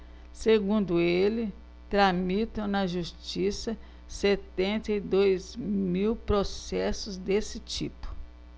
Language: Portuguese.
segundo ele tramitam na justiça setenta e dois mil processos desse tipo